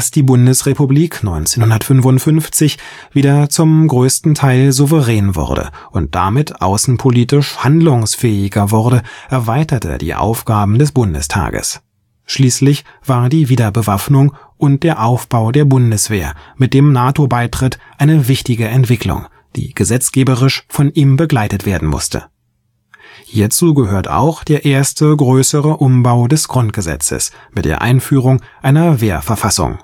die Bundesrepublik 1955 wieder zum größten Teil souverän wurde und damit außenpolitisch handlungsfähiger wurde, erweiterte die Aufgaben des Bundestages. Schließlich war die Wiederbewaffnung und der Aufbau der Bundeswehr mit dem NATO-Beitritt eine wichtige Entwicklung, die gesetzgeberisch von ihm begleitet werden musste. Hierzu gehört auch der erste größere Umbau des Grundgesetzes mit der Einfügung einer Wehrverfassung